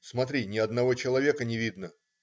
Смотри, ни одного человека не видно".